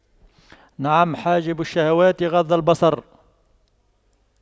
نعم حاجب الشهوات غض البصر